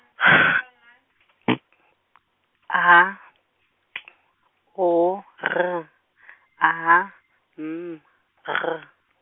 G P A T O R A N G .